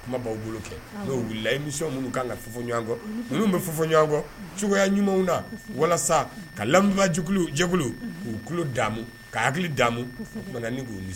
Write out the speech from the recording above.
Kuma' bolo kɛ no wili imi minnu kan kafo ɲɔgɔnkɔ minnu bɛ fɔfɔ ɲɔgɔnkɔ cogoya ɲumanw na walasa ka lammifajukulu jɛkulu k'u tulolo'amu ka hakili daamu u'u